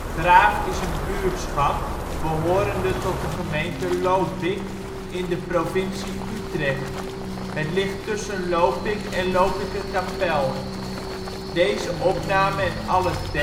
Graaf is een buurtschap behorende tot de gemeente Lopik in de provincie Utrecht. Het ligt tussen Lopik en Lopikerkapel. Plaatsen in de gemeente Lopik Dorpen: Benschop · Cabauw · Jaarsveld · Lopik · Lopikerkapel · Polsbroek · Uitweg · Willige Langerak Buurtschappen: Graaf · Polsbroekerdam · Zevender Utrecht · Plaatsen in de provincie Nederland · Provincies · Gemeenten 51° 58 ' NB, 4°